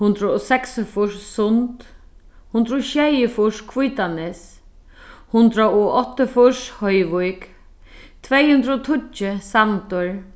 hundrað og seksogfýrs sund hundrað og sjeyogfýrs hvítanes hundrað og áttaogfýrs hoyvík tvey hundrað og tíggju sandur